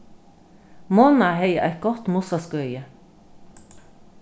mona hevði eitt gott mussaskøði